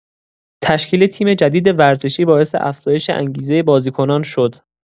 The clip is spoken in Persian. تشکیل تیم جدید ورزشی باعث افزایش انگیزه بازیکنان شد.